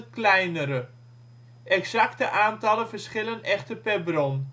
kleinere. Exacte aantallen verschillen echter per bron